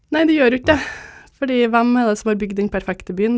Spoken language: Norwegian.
nei det gjør jo ikke det fordi hvem er det som har bygd den perfekte byen?